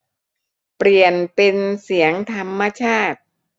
เปลี่ยนเป็นเสียงธรรมชาติ